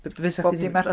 f- fysa chdi ddim...